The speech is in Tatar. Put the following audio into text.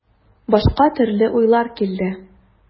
Башка төрле уйлар килде.